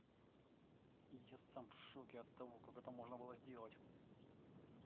я сам в шоке от этого как это можно было сделать